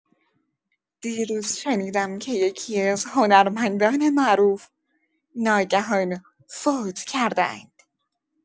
دیروز شنیدم که یکی‌از هنرمندان معروف ناگهان فوت کرده‌اند.